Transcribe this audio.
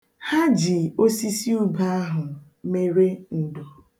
Ha ji osisi ube ahụ mere ndo.